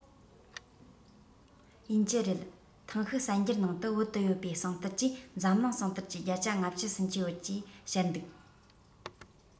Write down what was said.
ཡིན གྱི རེད ཐེངས ཤིག གསར འགྱུར ནང དུ བོད དུ ཡོད པའི ཟངས གཏེར གྱིས འཛམ གླིང ཟངས གཏེར གྱི བརྒྱ ཆ ལྔ བཅུ ཟིན གྱི ཡོད ཞེས བཤད འདུག